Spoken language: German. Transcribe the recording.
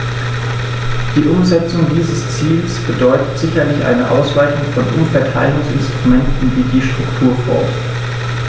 Die Umsetzung dieses Ziels bedeutet sicherlich eine Ausweitung von Umverteilungsinstrumenten wie die Strukturfonds.